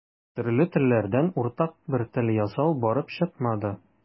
Төрле телләрдән уртак бер тел ясау барып чыкмады.